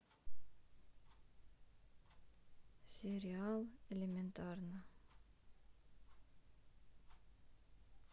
сериал элементарно